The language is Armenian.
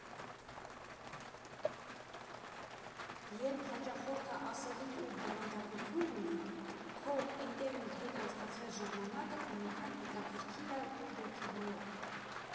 Երբ հաճախորդը ասելիք ու բովանդակություն ունի, քո՝ էնտեղ իր հետ անցկացրած ժամանակդ նույնքան հետաքրքիր ա ու ոգևորող։